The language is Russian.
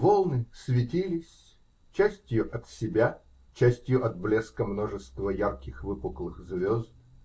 волны светились частью от себя, частью от блеска множества ярких выпуклых звезд.